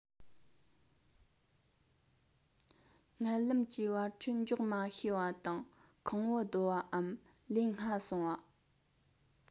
མངལ ལམ གྱི བར ཆོད འཇོག མ ཤེས པ དང ཁུང བུ བརྡོལ བའམ ལེན སྔ སོང བ